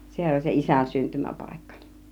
sehän oli se isän syntymäpaikka